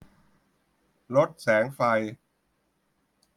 ลดแสงไฟ